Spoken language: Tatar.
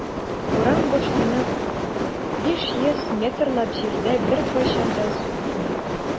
Урам башланып 500 метрлап җирдә беркайчан да су бетми.